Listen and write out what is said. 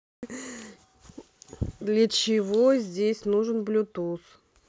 для чего здесь нужен блютуз